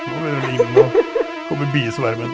nå blir det liv, nå kommer biesvermen.